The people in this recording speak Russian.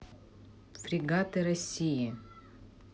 фрегаты россии